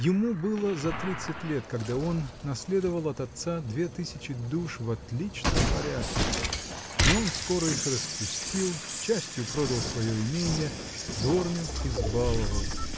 Ему было за тридцать лет, когда он наследовал от отца две тысячи душ в отличном порядке, но он скоро их распустил, частью продал свое именье, дворню избаловал.